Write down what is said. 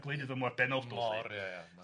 Mor ie ie.